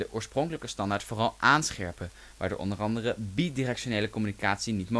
oorspronkelijke standaard vooral aanscherpen waardoor onder andere bi-directionele communicatie niet